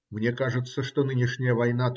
Мне кажется, что нынешняя война